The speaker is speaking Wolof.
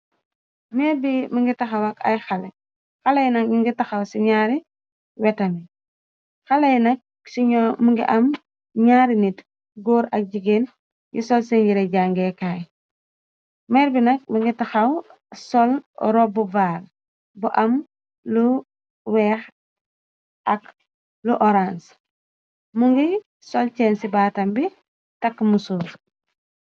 Meerbi mungi taxaw ak at xale xale yi nak nyugi taxaw si naari wetam yi ci xalay nak mongi am ñaari nit góor ak jigéen yi sol seen yire jangeekaay meerbi nak mongi taxaw sol ropbu vaar bu am lu weex ak lu orance mongi sol ceen ci baatam bi takka musuur.